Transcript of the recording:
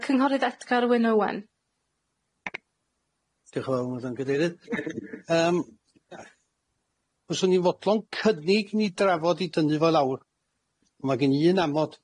Yy cynghorydd Edgar Wyn Owen. Diolch yn fawr ma' fe'n gadeirydd. Yym fyswn i fodlon cynnig ni drafod i dynnu fo lawr. Ma' gin i un amod.